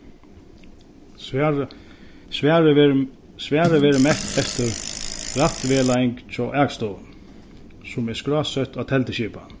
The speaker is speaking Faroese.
svarið verður svarið verður mett eftir rættivegleiðing hjá akstovuni sum er skrásett á telduskipan